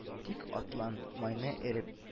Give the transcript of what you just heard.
Тик атлан майны, эреп